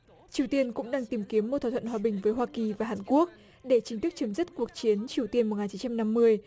triều tiên cũng đang tìm kiếm một thỏa thuận hòa bình với hoa kỳ và hàn quốc để chính thức chấm dứt cuộc chiến triều tiên một ngàn chín trăm năm mươi